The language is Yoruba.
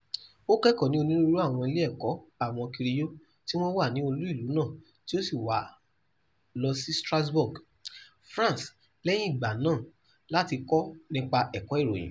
Ó kẹ́kọ̀ọ́ ní onírúurú àwọn ilé-ẹ̀kọ́ àwọn Kiriyó tí wọ́n wà ní olú-ìlú náà tí ó sì wá lọ sí Strasbourg, France lẹ́yìn ìgbà náà láti kọ́ nípa ẹ̀kọ́ ìkọ̀ròyìn.